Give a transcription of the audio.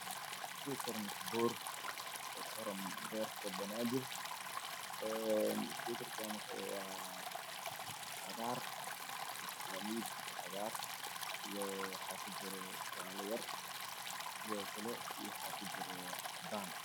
Waxaa ii muuqda boor ay ku qoran tahay beerta banaadir boorka midabkiisu waa cagaar haddaan iyo jaalo qoraalkan waxa uu ku qoran yahay caddaan